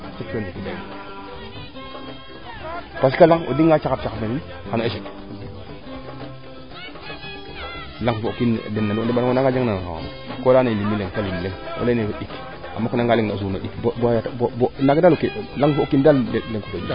parce que laŋ o buga nga caxat caxt nin xana echec laŋ fo o kiin den nanu o neɓanog bo o jang nan ko leyane limi leŋ te lim leŋ o leyne reti a mokna nga leŋ o suur no ɗik anda ke taxna o kiin daal